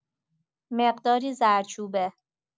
مقداری زردچوبه